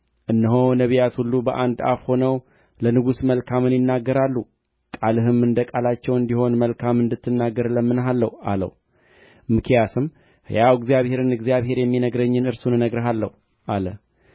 እነሆ ነቢያት ሁሉ በአንድ አፍ ሆነው ለንጉሡ መልካምን ይናገራሉ ቃልህም እንደ ቃላቸው እንዲሆን መልካም እንድትናገር እለምንሃለሁ አለው ሚክያስም ሕያው እግዚአብሔርን እግዚአብሔር የሚነግረኝን እርሱን እናገራለሁ አለ